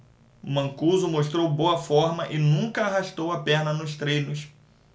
mancuso mostrou boa forma e nunca arrastou a perna nos treinos